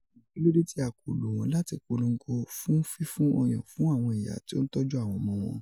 Ṣugbọn kilode ti a ko lo wọn lati polongo fun fifun ọyan fun awọn iya ti o n tọju awọn ọmọ wọn?"